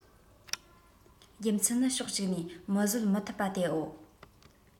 རྒྱུ མཚན ནི ཕྱོགས གཅིག ནས མི བཟོད མི ཐུབ པ དེའོ